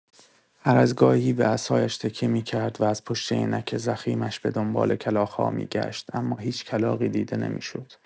هرازگاهی به عصایش تکیه می‌کرد و از پشت عینک ضخیمش به‌دنبال کلاغ‌ها می‌گشت، اما هیچ کلاغی دیده نمی‌شد.